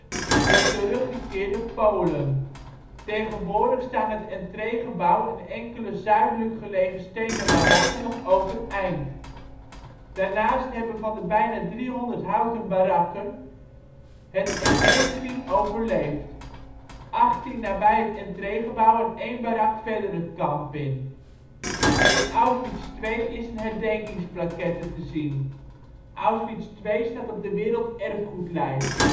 teruggekeerde Polen. Tegenwoordig staan het entreegebouw en enkele zuidelijk gelegen stenen barakken nog overeind. Daarnaast hebben van de bijna driehonderd houten barakken het er negentien overleefd: achttien nabij het entreegebouw en één barak verder het kamp in. In Auschwitz II is een herdenkingsplaquette te zien. Auschwitz II staat op de Werelderfgoedlijst